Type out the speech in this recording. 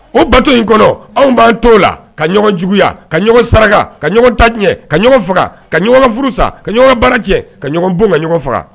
O bato in kɔnɔ, anw b'an to la, ka ɲɔgɔn juguya, ka ɲɔgɔn saraka, ka ɲɔgɔn ta tiɲɛ, ka ɲɔgɔn faga, ka ɲɔgɔn furu sa, ka ɲɔgɔn ka baara tiɲɛ, ka ɲɔgɔn bon, ka ɲɔgɔn faga.